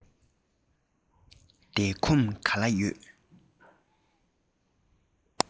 བསྡད ཁོམ ག ལ ཡོད